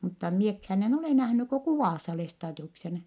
mutta minäkään en ole nähnyt kuin kuvassa Lestadiuksen